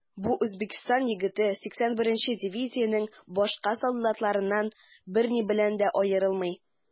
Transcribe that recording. Бу Үзбәкстан егете 81 нче дивизиянең башка солдатларыннан берни белән дә аерылмый.